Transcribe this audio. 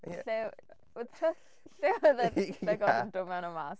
Lle... Oedd twll lle oedd llygod yn dod mewn a mas.